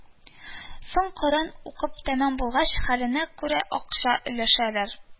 Соң, коръән укып тәмам булгач, хәленә күрә акча өләшәләр